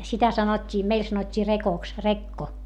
sitä sanottiin meillä sanottiin rekoksi rekko